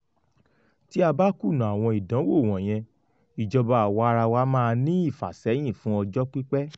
Tí a bá kùnà àwọn ìdánwò wọ̀nyẹn, ìjọba àwaarawa máa ní ìfàṣẹ́yìn fún ọjọ́ pípẹ́.